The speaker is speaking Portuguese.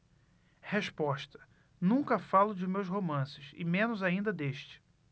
resposta nunca falo de meus romances e menos ainda deste